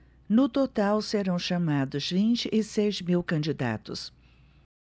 no total serão chamados vinte e seis mil candidatos